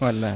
wallay